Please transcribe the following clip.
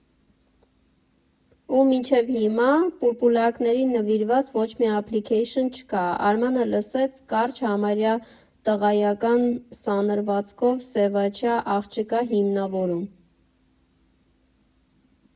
Ու մինչև հիմա պուլպուլակներին նվիրված ոչ մի ափլիքեյշն չկա՜, ֊ Արմանը լսեց կարճ, համարյա տղայական սանրվածքով սևաչյա աղջկա հիմնավորում։